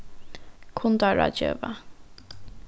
kundaráðgeva